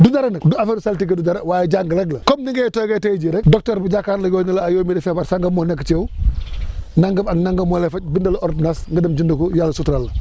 du dara nag du affaire saltige du dara waaye jàng rek la comme ni ngay toogee tey jii rek docteur bi jàkkaarloo ak yow ne la ah yow mii de feebar sangam moo nekk ci yow nangam ak nangam moo lay faj bindal la ordonnance nga dem jënd ko yàlla suturaal la